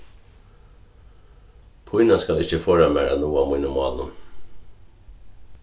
pínan skal ikki forða mær at náa mínum málum